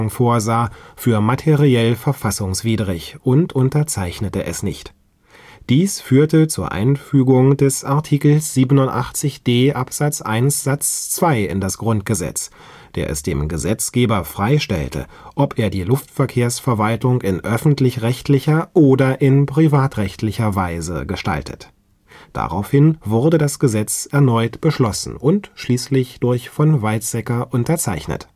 vorsah, für materiell verfassungswidrig und unterzeichnete es nicht. Dies führte zur Einfügung des Art. 87d Absatz 1 Satz 2 in das Grundgesetz, der es dem Gesetzgeber freistellte, ob er die Luftverkehrsverwaltung in öffentlich-rechtlicher oder in privatrechtlicher Weise gestaltet. Daraufhin wurde das Gesetz erneut beschlossen und schließlich durch von Weizsäcker unterzeichnet